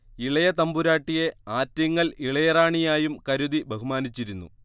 ഇളയ തമ്പുരാട്ടിയെ ആറ്റിങ്ങൽ ഇളയ റാണിയായും കരുതി ബഹുമാനിച്ചിരുന്നു